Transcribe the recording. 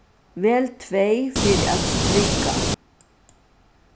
vel tvey fyri at strika